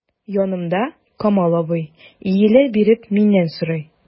Янымда— Камал абый, иелә биреп миннән сорый.